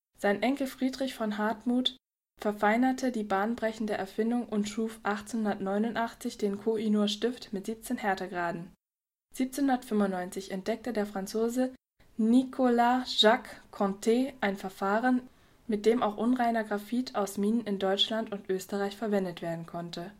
Sein Enkel Friedrich von Hardtmuth verfeinerte die bahnbrechende Erfindung und schuf 1889 den Koh-i-noor-Stift mit 17 Härtegraden. 1795 entdeckte der Franzose Nicolas-Jacques Conté ein Verfahren, mit dem auch unreiner Graphit aus Minen in Deutschland und Österreich verwendet werden konnte